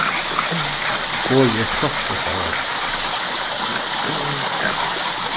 borðið er proppfult av mati